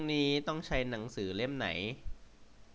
พรุ่งนี้ต้องใช้หนังสือเล่มไหน